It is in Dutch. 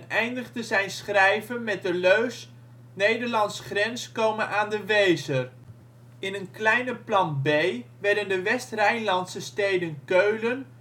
eindigde zijn schrijven met de leus Nederland 's grens kome aan de Wezer. In een kleiner plan B werden de West-Rijnlandse steden Keulen